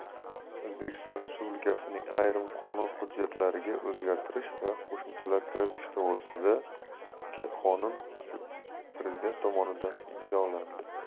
o'zbekiston respublikasining ayrim qonun hujjatlariga o'zgartish va qo'shimchalar kiritish to'g'risida gi qonun prezident tomonidan imzolandi